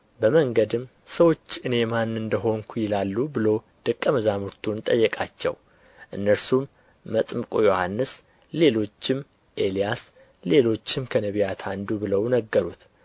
በመንገድም ሰዎች እኔ ማን እንደ ሆንሁ ይላሉ ብሎ ደቀ መዛሙርቱን ጠየቃቸው እነርሱም መጥምቁ ዮሐንስ ሌሎችም ኤልያስ ሌሎችም ከነቢያት አንዱ ብለው ነገሩት